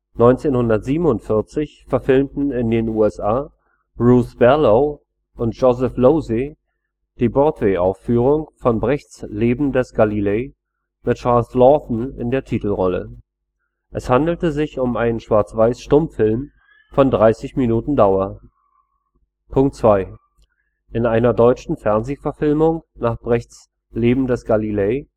1947 verfilmten in den USA Ruth Berlau und Joseph Losey die Broadway-Aufführung von Brechts Leben des Galilei mit Charles Laughton in der Titelrolle. Es handelt sich um einen Schwarz-weiß-Stummfilm von 30 Minuten Dauer. In einer deutschen Fernsehverfilmung nach Brechts Leben des Galilei